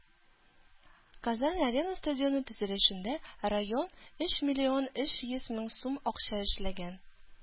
“казан-арена” стадионы төзелешендә район өч миллион өч йөз мең сум акча эшләгән.